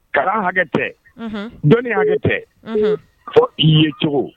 Kalan hakɛ tɛ. Unhun! Dɔnni hakɛ tɛ. Unhun! Fo, i ye cogo. .